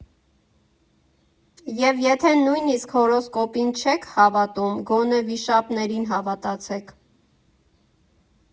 Եվ եթե նույնիսկ հորոսկոպին չեք հավատում, գոնե վիշապներին հավատացեք։